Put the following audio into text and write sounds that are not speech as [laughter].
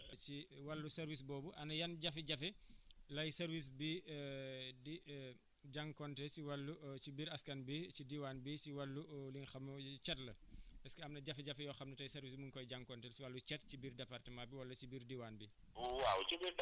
waaw si wàllu service boobu ana yan jafe-jafe lay service di [hesitation] di [hesitation] jànkuwante si wàllu [hesitation] si biir askan bi si diwaan bi si wàllu [hesitation] li nga xam mooy cet la [breath] est ce que am na jafe-jafe yoo xam ne tey service bi mu ngi koy jànkuwante si wàllu cet ci biir département bi wala si biir diwaan bi